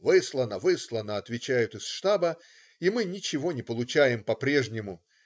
"Выслано, выслано",- отвечают из штаба, и мы ничего не получаем по-прежнему.